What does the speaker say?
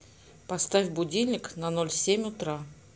поставь будильник на ноль семь утра